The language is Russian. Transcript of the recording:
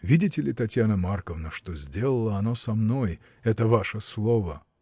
Видите ли, Татьяна Марковна, что сделало оно со мной, это ваше слово?.